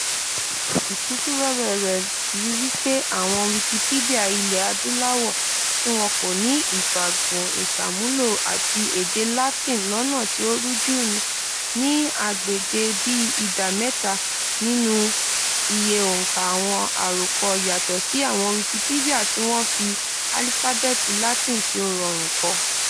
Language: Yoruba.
Ìtú sí wẹ́wẹ́ rẹ̀ ríi wípé àwọn Wikipedia ilẹ̀ Adúláwò "tí wọ́n kọ ní ìfàgùn ìsàmúlò àti èdè Latin lọ́nà tí ó rújú [ní] ní agbede bíi ìdá mẹ́ta nínú iye òǹkà àwọn àròkọ" yàtọ̀ sí àwọn Wikipedia tí wọ́n fi álífábẹ́ẹ́tì Latin tí ó rọrùn kọ.